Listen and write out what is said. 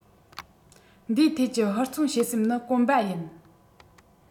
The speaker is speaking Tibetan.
འདིའི ཐད ཀྱི ཧུར བརྩོན བྱེད སེམས ནི དཀོན པ ཡིན